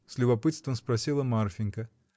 — с любопытством спросила Марфинька.